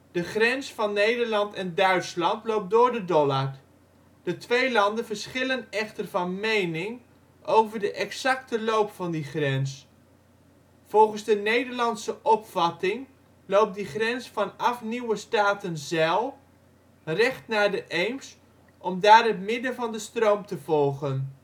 De grens van Nederland en Duitsland loopt door de Dollard. De twee landen verschillen echter van mening over de exacte loop van die grens. Volgens de Nederlandse opvatting loopt die grens vanaf Nieuwe Statenzijl recht naar de Eems om daar het midden van de stroom te volgen